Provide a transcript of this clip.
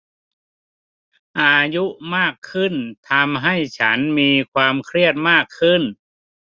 อายุมากขึ้นทำให้ฉันมีความเครียดมากขึ้น